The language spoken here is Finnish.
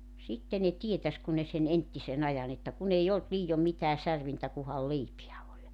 sitten ne tietäisi kun ne sen entisen ajan että kun ei ollut liioin mitään särvintä kunhan leipiä oli